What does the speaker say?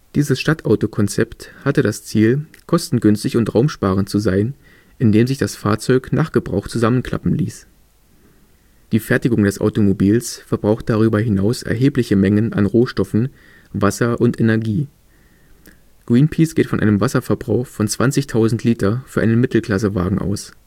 Dieses Stadtauto-Konzept hatte das Ziel, kostengünstig und raumsparend zu sein, indem sich das Fahrzeug nach Gebrauch zusammenklappen ließ. Die Fertigung des Automobils verbraucht darüber hinaus erhebliche Mengen an Rohstoffen, Wasser und Energie. Greenpeace geht von einem Wasserverbrauch von 20.000 l für einen Mittelklassewagen aus